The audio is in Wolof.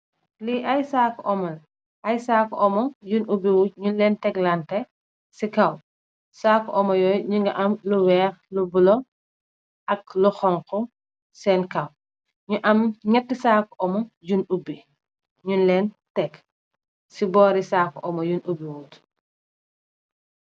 Li ay saku omo la ay sagku omo yun epi wut nyun len teck la teh si kaw saku omo yuyu nyugi am lu weex lu bulo ak lu xonxu sen kaw nyu am neeti saku omo yung epi nyun len teck si bori saku omo yung epi wut.